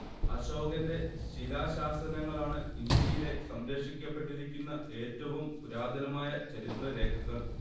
അശോകന്റെ ശിലാശാസനങ്ങളാണ് ഇന്ത്യയിലെ സംരക്ഷിക്കപ്പെട്ടിരിക്കുന്ന ഏറ്റവും പുരാതനമായ ചരിത്രരേഖകൾ